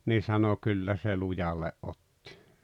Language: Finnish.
niin sanoi kyllä se lujalle otti